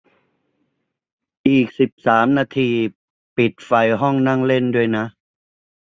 อีกสามสิบนาทีปิดไฟห้องนั่งเล่นด้วยนะ